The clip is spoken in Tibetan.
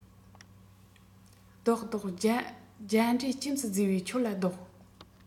བཟློག བཟློག རྒྱ འདྲེ སྐྱེམས སུ བརྫུས པ ཁྱོད ལ བཟློག